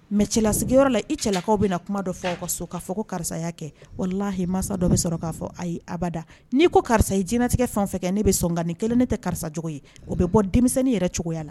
Mɛ cɛlala sigiyɔrɔyɔrɔ la i cɛlakaw bɛ na kuma dɔ fɔ aw ka so k'a fɔ ko karisaya kɛ walahi mansa dɔ bɛ sɔrɔ k'a fɔ ayi abada n'i ko karisa i jinɛtigɛ fan kɛ ne bɛ sɔnga ni kelen ne tɛ karisacogo ye o bɛ bɔ denmisɛnnin yɛrɛ cogoyaya la